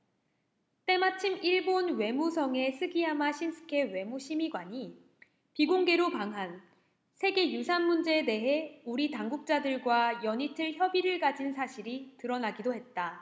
때마침 일본 외무성의 스기야마 신스케 외무심의관이 비공개로 방한 세계유산 문제에 대해 우리 당국자들과 연이틀 협의를 가진 사실이 드러나기도 했다